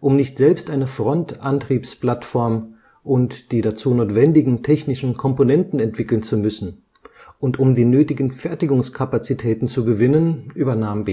Um nicht selbst eine Frontantriebsplattform und die dazu notwendigen technischen Komponenten entwickeln zu müssen und um die nötigen Fertigungskapazitäten zu gewinnen, übernahm